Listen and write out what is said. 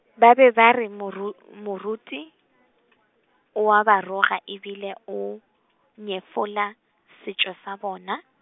ba be ba re moru-, moruti , o a ba roga e bile o, nyefola, setšo sa bona.